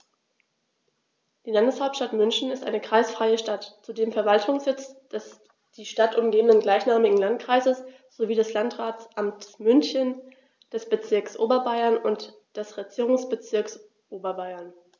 Die Landeshauptstadt München ist eine kreisfreie Stadt, zudem Verwaltungssitz des die Stadt umgebenden gleichnamigen Landkreises sowie des Landratsamtes München, des Bezirks Oberbayern und des Regierungsbezirks Oberbayern.